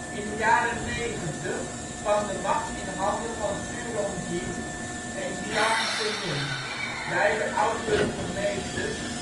In de jaren 90 kwam de macht in handen van Zhu Rongji en Jiang Zemin, beide oud-burgemeesters